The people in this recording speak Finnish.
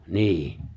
niin